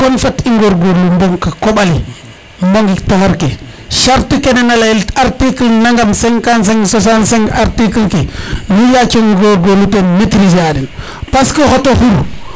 kon fat i ngor ngorlu mboka koɓale mbogit taxar ke charte kene na leyel article nangam 55 65 article ke nu yaco ngongorlu ten maitriser a den parce que xoto xur